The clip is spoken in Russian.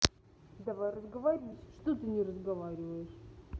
давай разговорить что ты не разговариваешь